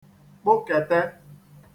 kpụkete